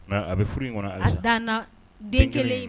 Mɛ a bɛ furu in kɔnɔ a dan den kelen